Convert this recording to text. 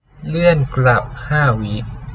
เลื่อนกลับห้าวิ